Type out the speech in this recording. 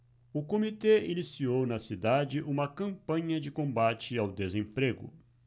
o comitê iniciou na cidade uma campanha de combate ao desemprego